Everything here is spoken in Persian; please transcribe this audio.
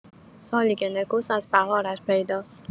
سالی که نکوست از بهارش پیداست!